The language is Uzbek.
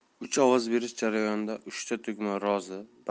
uz ovoz berish jarayonida uchta tugma rozi